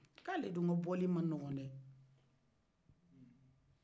k'a le dun ka bɔli manɔkɔ dɛ